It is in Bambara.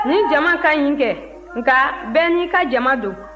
nin jama ka ɲi kɛ nka bɛɛ n'i ka jama don